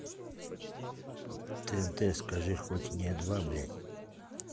тнт скажи хоть не два блядь